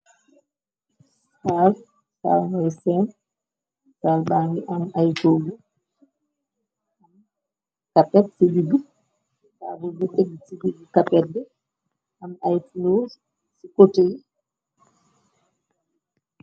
sal, sal ngay sen, sal bangi am ay toogu , kapet ci diggi , tabulo bu tekkgu ci diggi kapet am ay folerr ci cote yi.